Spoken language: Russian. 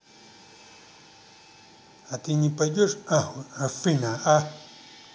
а ты не пойдешь нахуй афина а